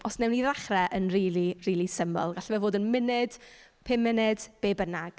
Os wnawn ni ddechrau, yn rili, rili syml. Gallai fe fod yn munud, pum munud, be bynnag.